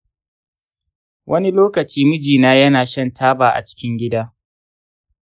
wani lokaci mijina yana shan taba a cikin gida.